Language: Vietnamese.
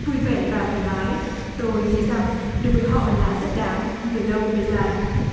vui vẻ và thoải mái tôi nghĩ rằng đối với họ là rất đáng về lâu về dài